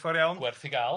Werth ei gael.